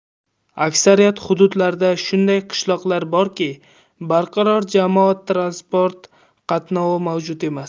aksariyat hududlarda shunday qishloqlar borki barqaror jamoat transport qatnovi mavjud emas